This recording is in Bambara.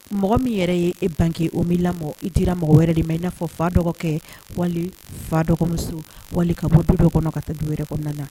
Mɔgɔ min yɛrɛ ye e bange, o min lamɔ, i dira mɔgɔ wɛrɛ de ma, i n'a fɔ fa dɔgɔkɛ, wali fa dɔgɔmuso, wali ka bɔ du dɔ kɔnɔ ka taa du wɛrɛ kɔnɔna na.